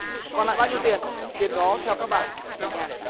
còn lại bao nhiêu tiền tiền đó theo các bạn về nhà